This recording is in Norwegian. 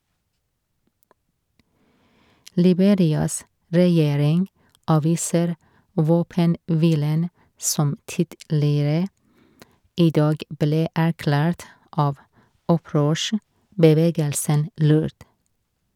Liberias regjering avviser våpenhvilen som tidligere i dag ble erklært av opprørsbevegelsen LURD.